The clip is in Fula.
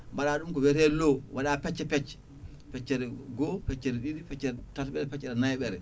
mbaɗa ɗum ko wiyete lot mbaɗa pecce pecce feccere go feccere ɗiɗi feccere tatoɓere feccere nayyoɓere